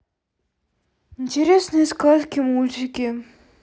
интересные сказки мультики